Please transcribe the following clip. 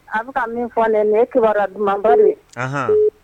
An bɛ min fɔ ne ne kiba dumanba